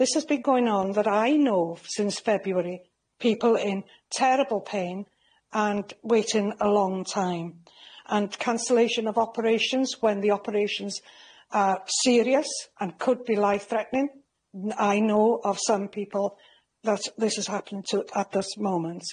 This has been going on that I know since February, people in terrible pain and waiting a long time, and cancellation of operations when the operations are serious and could be life-threatening. n- I know of some people that this has happened to at this moment.